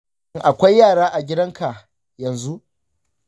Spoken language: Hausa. shin akwai yara a gidanka yanzu?